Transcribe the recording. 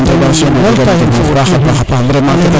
amiin aminn intervention um a jega solo a paxa paxa paax vraiment ke ley na